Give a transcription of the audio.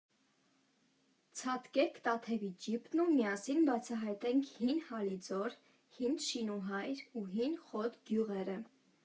Ցատկեք Տաթևի ջիպն ու միասին բացահայտենք Հին Հալիձոր, Հին Շինուհայր ու Հին Խոտ գյուղերը։